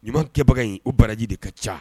Ɲumankɛbaga in o baraji de ka ca